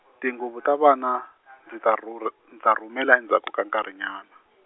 tinguvu ta vana, ri ta rhurh-, ndza rhumela endzhaku ka nkarhinyana.